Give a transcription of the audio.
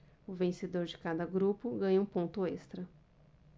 o vencedor de cada grupo ganha um ponto extra